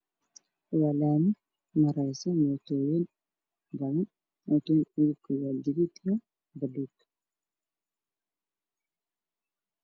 Waa laami marayso mootooyin badan wadada laamiga wey dagan tahy